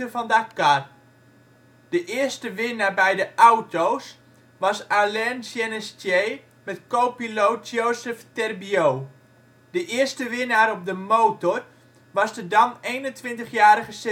van Dakar. De eerste winnaar bij de auto 's was Alain Génestier met copiloot Joseph Terbiaut. De eerste winnaar op de motor was de dan 21-jarige